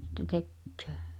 sitten tekee